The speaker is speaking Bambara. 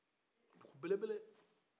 dugubelebele